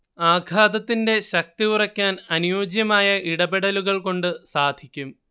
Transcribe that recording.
ആഘാതത്തിന്റെ ശക്തി കുറയ്ക്കാൻ അനുയോജ്യമായ ഇടപെടലുകൾകൊണ്ടു സാധിക്കും